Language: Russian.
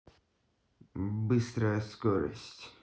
быстрая скорость